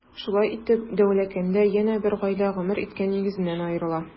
Шулай итеп, Дәүләкәндә янә бер гаилә гомер иткән нигезеннән аерыла.